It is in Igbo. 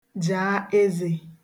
jàa ezē